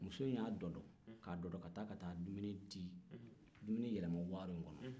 muso in y'a dɔdɔ ka dɔdɔ ka taa dumuni yɛlɛma waaro in kɔnɔ